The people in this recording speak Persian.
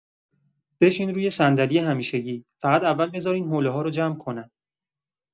بشین روی صندلی همیشگی، فقط اول بذار این حوله‌ها رو جمع کنم.